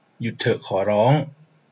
หยุดเถอะขอร้อง